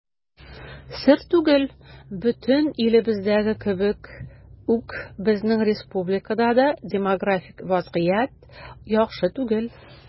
Сер түгел, бөтен илебездәге кебек үк безнең республикада да демографик вазгыять яхшы түгел.